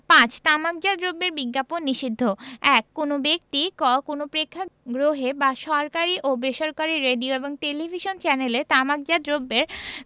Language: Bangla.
৫ তামাকজপাত দ্রব্যের বিজ্ঞাপন নিষিদ্ধঃ ১ কোন ব্যক্তিঃ ক কোন প্রেক্ষগ্রহে বা সরকারী ও বেসরকারী রেডিও এবং টেলিভিশন চ্যানেলে তামাকজাত দ্রব্যের